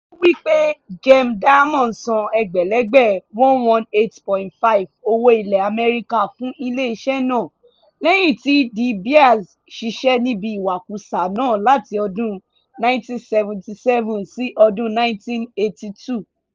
Wọ́n wí pé Gem Diamonds san ẹgbẹ̀lẹ́gbẹ̀ 118.5 owó ilẹ̀ Amẹ́ríkà fún ilé-iṣẹ́ náà lẹ́yìn tí De Beers ṣiṣẹ́ níbi ìwakùsà náà láti ọdún 1977 sí ọdún 1982.